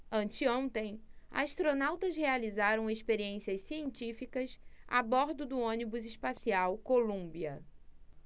anteontem astronautas realizaram experiências científicas a bordo do ônibus espacial columbia